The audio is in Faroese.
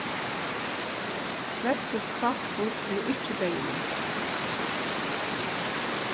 flestu hvalspýggj eru ikki deyðilig